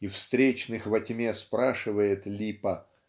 и встречных во тьме спрашивает Липа